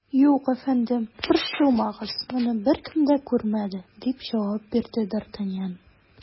Юк, әфәндем, борчылмагыз, моны беркем дә күрмәде, - дип җавап бирде д ’ Артаньян.